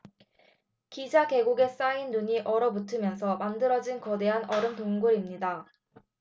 기자 계곡에 쌓인 눈이 얼어붙으면서 만들어진 거대한 얼음 동굴입니다